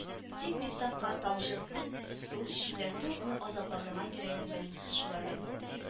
Тик Мифтахка тамчы суд-су өчен дә күпме азапланырга кирәген белмисез шул әле